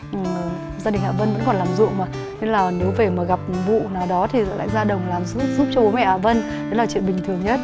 ờm gia đình hạ vân vẫn còn làm ruộng mà nên là nếu về mà gặp vụ nào đó thì lại ra đồng làm giúp giúp cho bố mẹ hạ vân đó là chuyện bình thường nhất